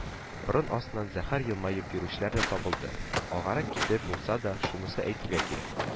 Борын астыннан зәһәр елмаеп йөрүчеләр дә табылды. алгарак китеп булса да, шунысын әйтергә кирәк: